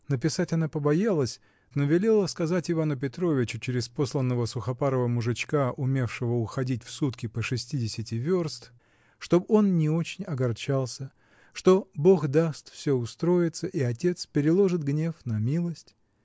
написать она побоялась, но велела сказать Ивану Петровичу через посланного сухопарого мужичка, умевшего уходить в сутки по шестидесяти верст, чтоб он не очень огорчался, что, бог даст, все устроится и отец переложит гнев на милость